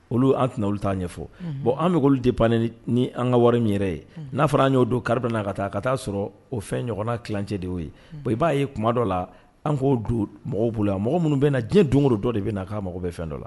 Olu an ti olu t'an ɲɛfɔ bon an bɛ olu de pan ni an ka wari min yɛrɛ ye n'a fɔra an y'o don karida na ka taa ka taa'a sɔrɔ o fɛn ɲɔgɔnna kicɛ de o ye i b'a ye kuma dɔ la an k'o don mɔgɔw bolo a mɔgɔ minnu bɛna na diɲɛ don don dɔ de bɛ na' mago bɛɛ fɛn dɔ la